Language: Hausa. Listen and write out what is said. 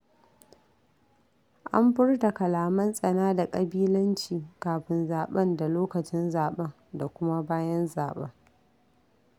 An furta kalaman tsana da ƙabilanci kafin zaɓen da lokacin zaɓen da kuma bayan zaɓen.